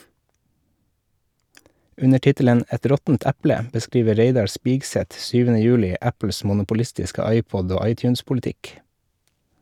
Under tittelen "Et råttent eple" beskriver Reidar Spigseth 7. juli Apples monopolistiske iPod- og iTunes-politikk.